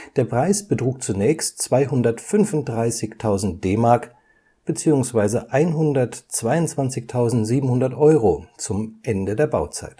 Der Preis betrug zunächst 235.000 DM bzw. 122.700 Euro zum Ende der Bauzeit